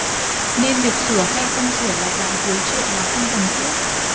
nên việc sửa hay không sửa lại đoạn cuối truyện là không cần thiết